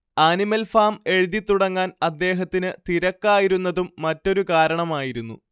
animal Farm എഴുതിത്തുടങ്ങാൻ അദ്ദേഹത്തിന് തിരക്കായിരുന്നതും മറ്റൊരു കാരണമായിരുന്നു